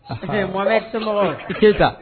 A mɔgɔ i tɛ taa